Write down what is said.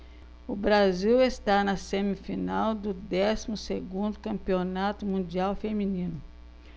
o brasil está na semifinal do décimo segundo campeonato mundial feminino